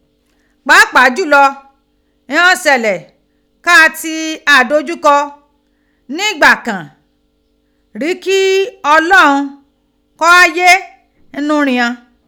papa julo ighan isele ka ti adojuko nigbakan ri ki olohun ko ghaye n nu righan